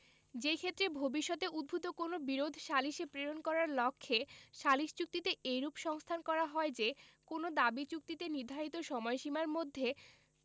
যেইক্ষেত্রে ভবিষ্যতে উদ্ভুত কোন বিরোধ সালিসে প্রেরণ করার লক্ষ্যে সালিস চুক্তিতে এইরূপ সংস্থান করা হয় যে কোন দাবী চুক্তিতে নির্ধারিত সময়সীমার মধ্যে